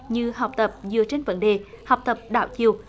như học tập dựa trên vấn đề học tập đảo chiều